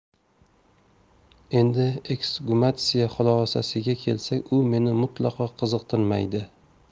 endi eksgumatsiya xulosasiga kelsak u meni mutlaqo qiziqtirmaydi